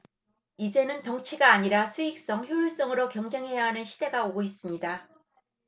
이제는 덩치가 아니라 수익성 효율성으로 경쟁해야 하는 시대가 오고 있습니다